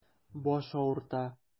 Баш авырта.